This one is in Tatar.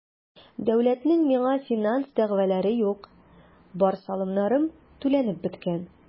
Дәүләтнең миңа финанс дәгъвалары юк, бар салымнарым түләнеп беткән.